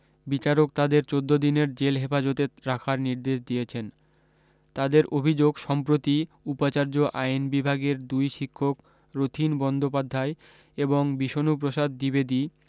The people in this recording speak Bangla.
বিচারক তাদের চোদ্দো দিনের জেল হেফাজতে রাখার নির্দেশ দিয়েছেন তাদের অভি্যোগ সম্প্রতি উপাচার্য আইন বিভাগের দুই শিক্ষক রথীন বন্দ্যোপাধ্যায় এবং বিষণুপ্রসাদ দ্বিবেদী